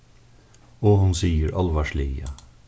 og hon sigur álvarsliga